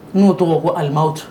N'o tɔgɔ ma ko awtu